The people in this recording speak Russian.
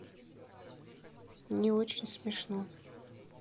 не очень смешно